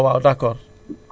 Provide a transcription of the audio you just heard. waaw waaw d' accord